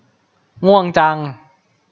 ง่วงจัง